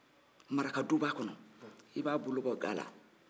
maraka duba kɔnɔ i ba bolo bɔ ga la